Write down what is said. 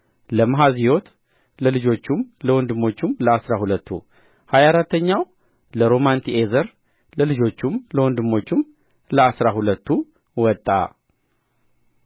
ለመሐዚዮት ለልጆቹም ለወንድሞቹም ለአሥራ ሁለቱ ሀያ አራተኛው ለሮማንቲዔዘር ለልጆቹም ለወንድሞቹም ለአሥራ ሁለቱ ወጣ